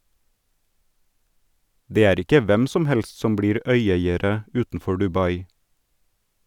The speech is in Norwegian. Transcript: Det er ikke hvem som helst som blir øyeiere utenfor Dubai.